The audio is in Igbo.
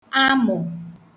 amụ̀